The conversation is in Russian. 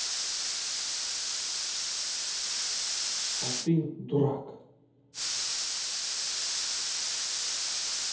а ты дурак